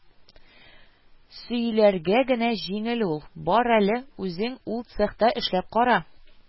Сөйләргә генә җиңел ул, бар әле, үзең ул цехта эшләп кара